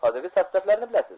hozirgi sostavlarni bilasiz